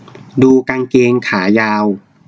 ดูกางเกงขายาว